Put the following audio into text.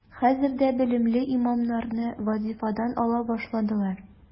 Хәзер дә белемле имамнарны вазифадан ала башладылар.